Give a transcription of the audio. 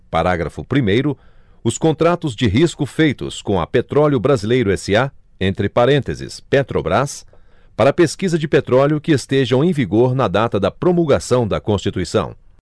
parágrafo primeiro os contratos de risco feitos com a petróleo brasileiro sa entre parênteses petrobrás para pesquisa de petróleo que estejam em vigor na data da promulgação da constituição